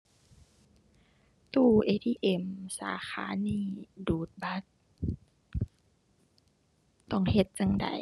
ตู้ ATM สาขานี้ดูดบัตร ต้องเฮ็ดจั่งใด